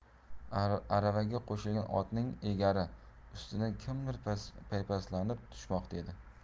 aravaga qo'shilgan otning egari ustidan kimdir paypaslanib tushmoqda edi